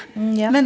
ja.